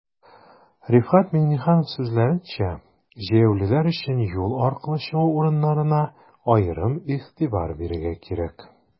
Рифкать Миңнеханов сүзләренчә, җәяүлеләр өчен юл аркылы чыгу урыннарына аерым игътибар бирергә кирәк.